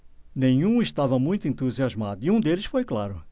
nenhum estava muito entusiasmado e um deles foi claro